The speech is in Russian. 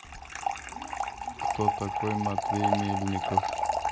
кто такой матвей мельников